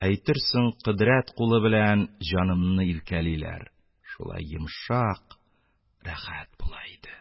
Әйтерсең, кодрәт кулы белән җанымны иркәлиләр, - шулай йомшак, рәхәт була иде.